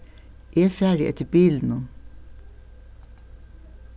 eg fari eftir bilinum